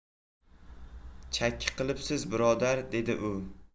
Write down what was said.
chakki qilibsiz birodar dedi u